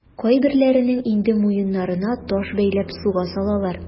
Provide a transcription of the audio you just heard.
Кайберләренең инде муеннарына таш бәйләп суга салалар.